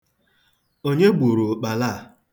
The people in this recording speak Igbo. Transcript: Onye gburu ụkpala a?